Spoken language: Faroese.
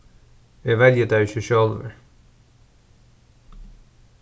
eg velji tær ikki sjálvur